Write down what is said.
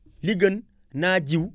li gën naa jiw